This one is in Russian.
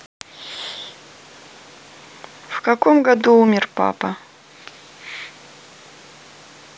в каком году умер папа